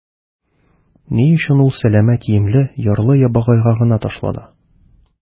Ни өчен ул сәләмә киемле ярлы-ябагайга гына ташлана?